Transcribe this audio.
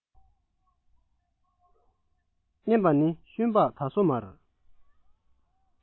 ནེམ པ ནི ཤུན པགས ད སོ མར